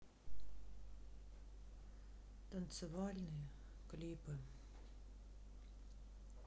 танцевальные клипы